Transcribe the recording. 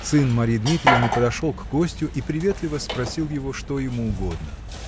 Сын Марья Дмитриевны подошел к гостю и приветливо опросил его, что ему угодно?